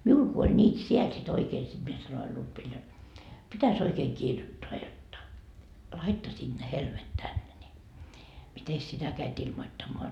minulla kun oli niitä siellä sitten oikein sitten minä sanoin Lutville jotta pitäisi oikein kirjoittaa jotta laittaisivat ne helmet tänne niin mitenkäs sitä kävit ilmoittamaan